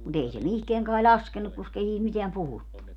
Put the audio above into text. mutta ei se mihinkään kai laskenut koska ei siitä mitään puhuttu